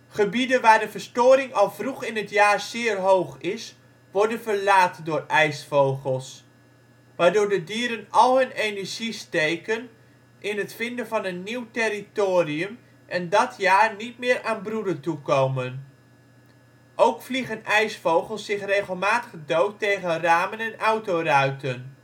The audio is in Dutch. Gebieden waar de verstoring al vroeg in het jaar zeer hoog is, worden verlaten door ijsvogels, waardoor de dieren al hun energie steken in het vinden van een nieuw territorium en dat jaar niet meer aan broeden toe komen. Ook vliegen ijsvogels zich regelmatig dood tegen ramen en autoruiten